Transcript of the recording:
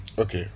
ok